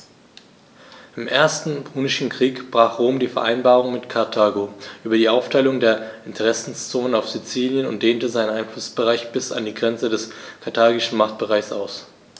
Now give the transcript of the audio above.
Im Ersten Punischen Krieg brach Rom die Vereinbarung mit Karthago über die Aufteilung der Interessenzonen auf Sizilien und dehnte seinen Einflussbereich bis an die Grenze des karthagischen Machtbereichs aus.